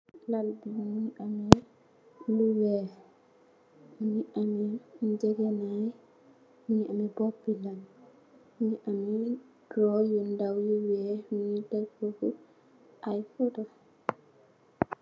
lall bi mingi am lo weex mingi ammi nehgahnay mingi ammi bopo lal mingi ammi togo yu daw yu weex ni teh fofu ayi photo.